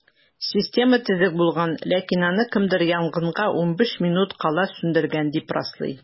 Система төзек булган, ләкин аны кемдер янгынга 15 минут кала сүндергән, дип раслый.